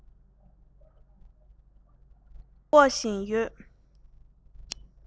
འབུ རྐོ བཞིན ཡོད